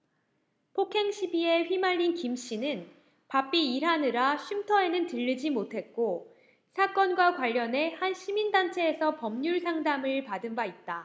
폭행시비에 휘말린 김씨는 바삐 일하느라 쉼터에는 들르지 못했고 사건과 관련해 한 시민단체에서 법률상담을 받은 바 있다